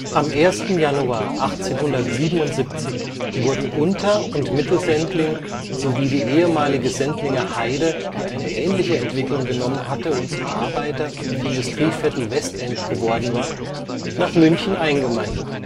Am 1. Januar 1877 wurden Unter - und Mittersendling sowie die ehemalige Sendlinger Haide, die eine ähnliche Entwicklung genommen hatte und zum Arbeiter - und Industrieviertel Westend geworden war, nach München eingemeindet